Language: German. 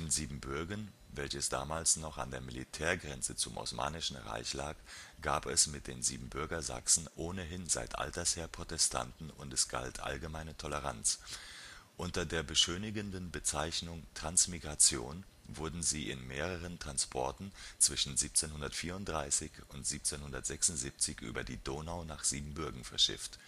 Siebenbürgen, welches damals noch an der Militärgrenze zum Osmanischen Reich lag, gab es mit den Siebenbürger Sachsen ohnehin seit altersher Protestanten und es galt allgemeine Toleranz. Unter der beschönigenden Bezeichnung „ Transmigration “wurden sie in mehreren Transporten zwischen 1734 und 1776 über die Donau nach Siebenbürgen verschifft